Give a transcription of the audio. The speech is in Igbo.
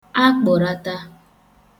akpụ̀rata